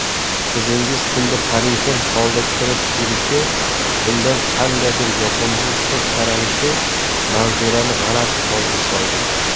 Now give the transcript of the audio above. qizining tunda parishon holda kirib kelishi undan qandaydir yoqimsiz hid taralishi manzurani g'alati holga soldi